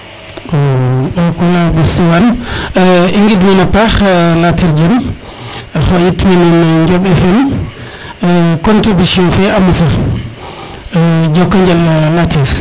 o o mbako la ɓosti waan i ngidmin a paax Latir Dione a xoyit mene no Ndiob Fm contribution fe a mosa jokonjal Latir